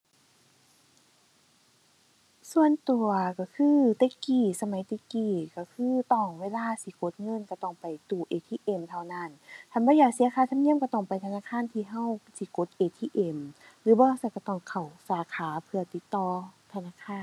ส่วนตัวก็คือแต่กี้ สมัยแต่กี้ก็คือต้องเวลาสิกดเงินก็ต้องไปตู้ ATM เท่านั้น คันบ่อยากเสียค่าธรรมเนียมก็ต้องไปธนาคารที่ก็สิกด ATM หรือบ่ซั้นก็ต้องเข้าสาขาเพื่อติดต่อธนาคาร